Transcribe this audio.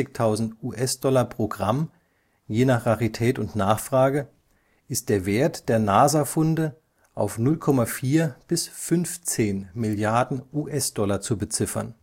40.000 US-Dollar pro Gramm, je nach Rarität und Nachfrage, ist der Wert der NASA-Funde auf 0,4 bis 15 Milliarden US-Dollar zu beziffern